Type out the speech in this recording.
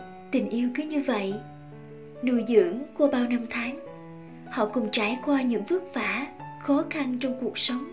tình yêu cứ như vậy nuôi dưỡng qua bao năm tháng họ cùng trải qua những vất vả khó khăn trong cuộc sống